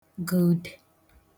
gụdè